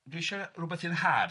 Dwi isio rywbeth i'n nhad.